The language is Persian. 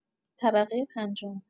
طبقه پنجم